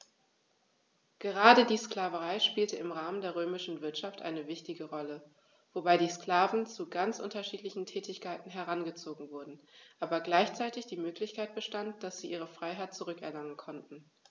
Gerade die Sklaverei spielte im Rahmen der römischen Wirtschaft eine wichtige Rolle, wobei die Sklaven zu ganz unterschiedlichen Tätigkeiten herangezogen wurden, aber gleichzeitig die Möglichkeit bestand, dass sie ihre Freiheit zurück erlangen konnten.